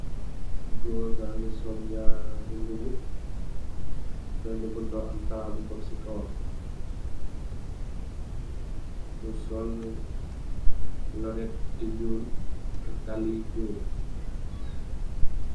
Goor gage sol nyari mubu bene bu ndaw ak daraa bu mag se kawam mu sol lunet yu nuul ak dalle yu ñuul.